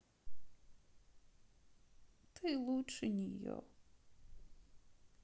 ты лучше нее